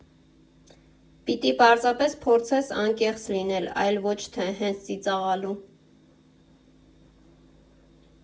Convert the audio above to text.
Պիտի պարզապես փորձես անկեղծ լինել, այլ ոչ թե հենց ծիծաղալու։